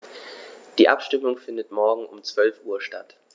Die Abstimmung findet morgen um 12.00 Uhr statt.